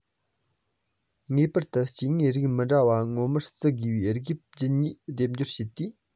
ངེས པར དུ སྐྱེ དངོས རིགས མི འདྲ བ ངོ མར བརྩི དགོས པའི རིགས དབྱིབས རྒྱུད གཉིས སྡེབ སྦྱོར བྱེད དུས